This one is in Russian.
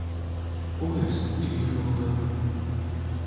поезд иволга